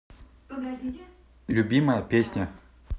любимая песня